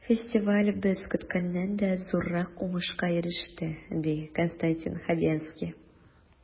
Фестиваль без көткәннән дә зуррак уңышка иреште, ди Константин Хабенский.